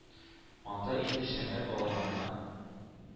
Анда инде Шәммәт балаларына